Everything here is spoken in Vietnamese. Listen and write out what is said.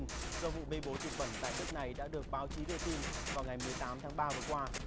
do vụ bê bối thịt bẩn tại nước này đã được báo chí đưa tin vào ngày mười tám tháng ba vừa qua